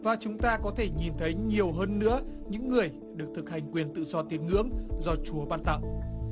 và chúng ta có thể nhìn thấy nhiều hơn nữa những người được thực hành quyền tự do tín ngưỡng do chúa ban tặng